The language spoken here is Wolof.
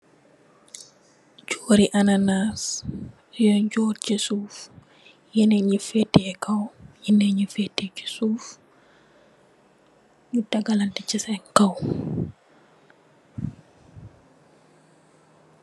Joori ananas, yunye joor si suuf, yena yi fetteĥ kaw , yena yi feteĥ ci suf. Nyu tegalante ci seen kaw.